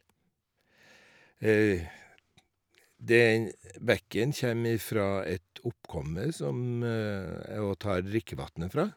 det er en Bekken kjem ifra et oppkomme som jeg òg tar drikkevatnet fra.